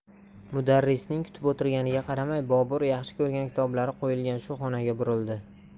mudarrisning kutib o'tirganiga qaramay bobur yaxshi ko'rgan kitoblari qo'yilgan shu xonaga burildi